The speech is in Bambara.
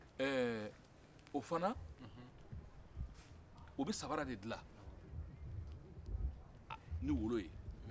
ɛh o fɛnɛ u bɛ samara de dilan ni golo ye